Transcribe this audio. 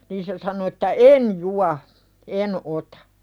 niin se sanoi että en juo en ota